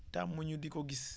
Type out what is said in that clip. tàmmu ñu di ko gis